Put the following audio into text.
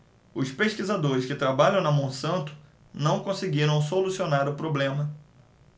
os pesquisadores que trabalham na monsanto não conseguiram solucionar o problema